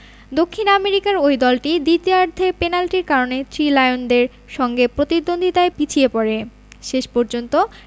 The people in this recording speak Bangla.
দক্ষিণ আমেরিকার ওই দলটি দ্বিতীয়ার্ধের পেনাল্টির কারণে থ্রি লায়নদের সঙ্গে প্রতিদ্বন্দ্বিতায় পিছিয়ে পড়ে শেষ পর্যন্ত